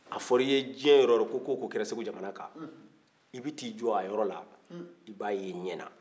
a fɔr'i diɲɛ yɔrɔ o yɔrɔ ko ko o ko kɛra segu jamana ka i bɛ t'i jɔ a yɔrɔ la i b'a y'i ɲɛna